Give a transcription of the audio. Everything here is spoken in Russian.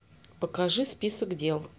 покажи список дел